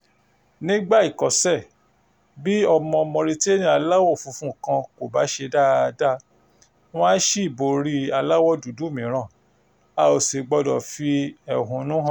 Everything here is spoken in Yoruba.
Nígbà ìkọ́ṣẹ́, bí ọmọ Mauritania aláwọ̀ funfun kan kò bá ṣe dáadáa, wọn á ṣì borí aláwọ̀ dúdú mìíràn. A ò sì gbọdọ̀ fi ẹhónú hàn…